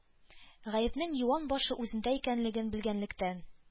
Гаепнең юан башы үзендә икәнлеген белгәнлектән,